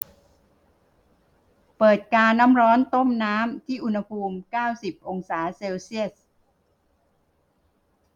เปิดกาน้ำร้อนต้มน้ำที่อุณหภูมิเก้าสิบองศาเซลเซียส